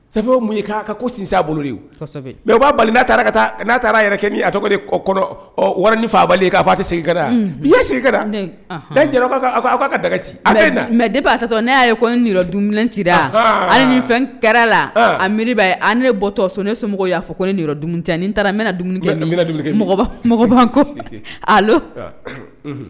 Mun ye'a ko sin bolo mɛ b'a bali'a taara taa n'a taara yɛrɛ a tɔgɔ de wari ni fa bali k'a tɛ sigi kɛra bi sigi bɛɛ'a ka daga mɛ de b' tatɔ ne y'a ye ko ne dum ci hali ni fɛn kɛra la a mi ne bɔ tɔ so ne se y'a fɔ ko ne nind tɛ nin taara n mɔgɔ ko